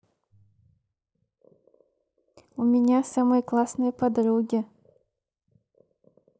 у меня самые классные подруги